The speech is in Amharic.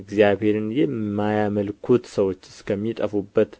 እግዚአብሔርን የማያመልኩት ሰዎች እስከሚጠፉበት